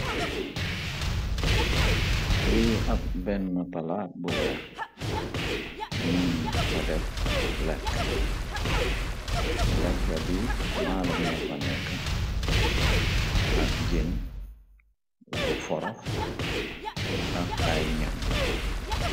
lii ab bennma palaat bu weex la nu fa def lekk lekk bi maala moo fa nekk ak jin lu forox ak ay nam bi